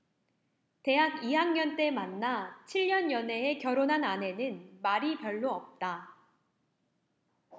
대학 이 학년 때 만나 칠 년 연애해 결혼한 아내는 말이 별로 없다